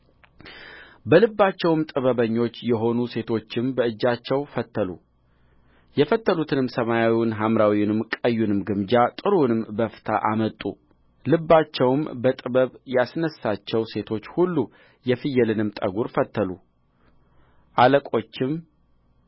በልባቸው ጥበበኞች የሆኑ ሴቶችም በእጃቸው ፈተሉ የፈተሉትንም ሰማያዊውን ሐምራዊውንም ቀዩንም ግምጃ ጥሩውንም በፍታ አመጡ ልባቸውም በጥበብ ያስነሣቸው ሴቶች ሁሉ የፍየልን ጠጕር ፈተሉ አለቆችም